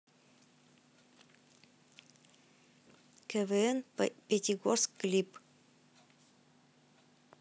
квн пятигорск клип